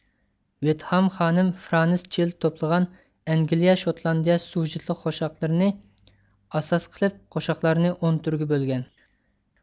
ۋېتھام خانىم فرانىس چىلد توپلىغان ئەنگىلىيە شوتلاندىيە سۇژىتلىق قوشاقلىرى نى ئاساس قىلىپ قوشاقلارنى ئون تۈرگە بۆلگەن